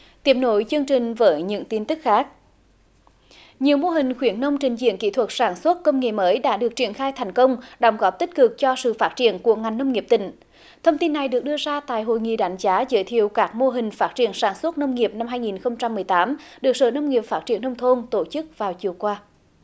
tiếp nối chương trình với những tin tức khác nhiều mô hình khuyến nông trình diễn kỹ thuật sản xuất công nghệ mới đã được triển khai thành công đóng góp tích cực cho sự phát triển của ngành nông nghiệp tỉnh thông tin này được đưa ra tại hội nghị đánh giá giới thiệu các mô hình phát triển sản xuất nông nghiệp năm hai nghìn không trăm mười tám được sở nông nghiệp phát triển nông thôn tổ chức vào chiều qua